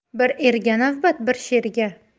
bir erga navbat bir sherga